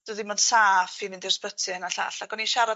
do'dd ddim yn saff i fynd i'r sbyty 'yn a llall ac o'n i'n siarad